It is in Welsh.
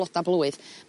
bloda blwydd.